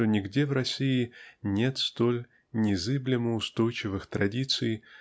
что нигде в России нет столь незыблемо-устойчивых традиций